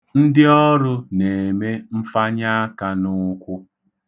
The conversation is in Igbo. Ndị ọrụ na-eme mfanyaakanụụkwụ